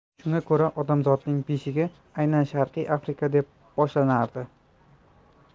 shunga ko'ra odamzotning beshigi aynan sharqiy afrika deb hisoblanardi